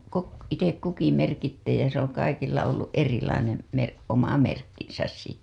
kun itse kukin merkitsee ja se on kaikilla ollut erilainen - oma merkkinsä sitten